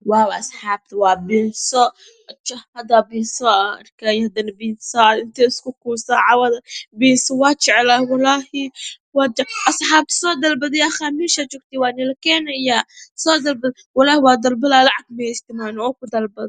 Woow asxaabta waa pizza jah hada pizza arkay hadane pizzaa intee isku kuusaa cawada pizza waan jeclaa walaahi asxaabta soo dalbada yaaqee meesha aad joogtaan waa la idiinla keenayaa soo dalbada walaahi waan dalban lahaa laakiin lacag ma heysti oo ku dalbado